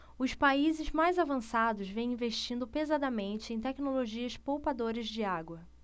os países mais avançados vêm investindo pesadamente em tecnologias poupadoras de água